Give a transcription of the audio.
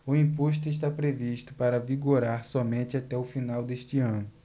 o imposto está previsto para vigorar somente até o final deste ano